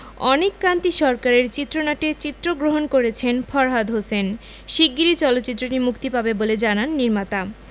অনিক কান্তি সরকারের চিত্রনাট্যে চিত্রগ্রহণ করেছেন ফরহাদ হোসেন শিগগিরই চলচ্চিত্রটি মুক্তি পাবে বলে জানান নির্মাতা